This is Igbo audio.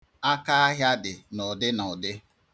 Akaahịa dị n'ụdị na ụdị.